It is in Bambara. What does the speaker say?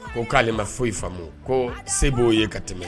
Ko k'ale ma foyi faamu koo se b'o ye ka tɛmɛ